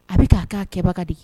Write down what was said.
A bi ka kɛ a kɛbaga de